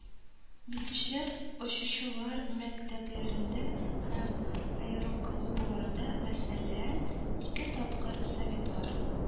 Белгечләр очучылар мәктәпләрендә һәм аэроклубларда (мәсәлән, ике тапкыр Советлар